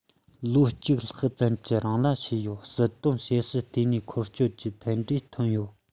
ལོ གཅིག ལྷག ཙམ གྱི རིང ལ བྱས ཡོད སྲིད དོན ཞབས ཞུ ལྟེ གནས འཁོར སྐྱོད ཀྱི ཕན འབྲས ཐོན ཡོད